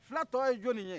fula tɔ ye jɔnni ye